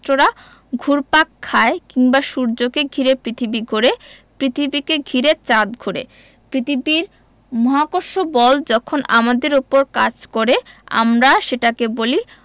নক্ষত্ররা ঘুরপাক খায় কিংবা সূর্যকে ঘিরে পৃথিবী ঘোরে পৃথিবীকে ঘিরে চাঁদ ঘোরে পৃথিবীর মহাকর্ষ বল যখন আমাদের ওপর কাজ করে আমরা সেটাকে বলি